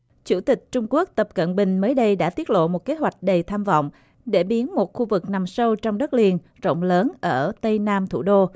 chủ tịch trung quốc tập cận bình mới đây đã tiết lộ một kế hoạch đầy tham vọng để biến một khu vực nằm sâu trong đất liền rộng lớn ở tây nam thủ đô